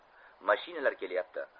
mashinalar kelyapti